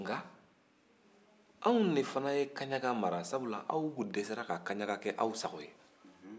nka anw de fana ye kaɲaga mara sabula aw dɛsɛra ka kaɲaga kɛ aw sago ye